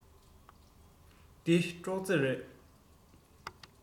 འདི སྒྲོག རྩེ རེད